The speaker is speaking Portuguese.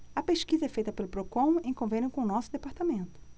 a pesquisa é feita pelo procon em convênio com o diese